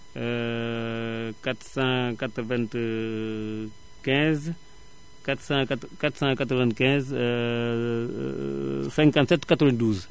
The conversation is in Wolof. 495 495 57 92